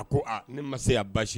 A ko aa ne ma y'a basi